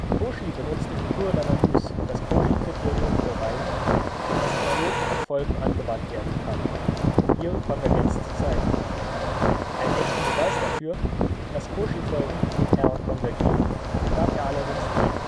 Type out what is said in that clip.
Cauchy benutzte im Cours d’ analyse das Cauchykriterium für Reihen, das analog auf Folgen angewandt werden kann, um ihre Konvergenz zu zeigen. Einen echten Beweis dafür, dass Cauchyfolgen in R konvergieren, gab er allerdings nicht